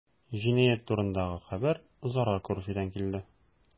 Җинаять турындагы хәбәр зарар күрүчедән килде.